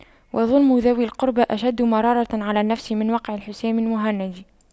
وَظُلْمُ ذوي القربى أشد مرارة على النفس من وقع الحسام المهند